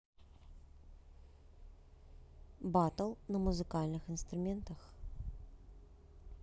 battle на музыкальных инструментах